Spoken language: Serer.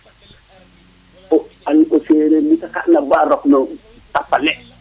o an o sereer mu te xes na ba rok no tapale